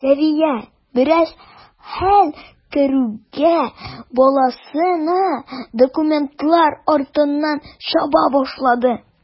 Сәвия, бераз хәл керүгә, баласына документлар артыннан чаба башлады.